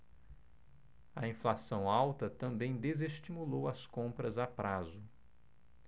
a inflação alta também desestimulou as compras a prazo